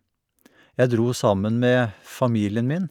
Jeg dro sammen med familien min.